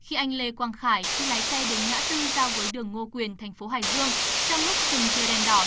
khi anh lê quang khải khi lái xe đến ngã tư giao với đường ngô quyền thành phố hải dương trong lúc dừng chờ đèn đỏ